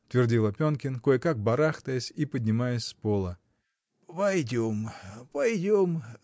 — твердил Опенкин, кое-как барахтаясь и поднимаясь с пола, — пойдем, пойдем.